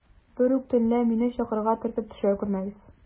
Берүк төнлә мине чокырга төртеп төшерә күрмәгез.